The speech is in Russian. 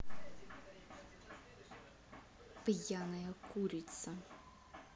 пьяная курица